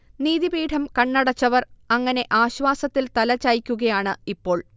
നീതി പീഠം കണ്ണടച്ചവർ അങ്ങനെ ആശ്വാസത്തിൽ തലചായ്ക്കുകയാണ് ഇപ്പോൾ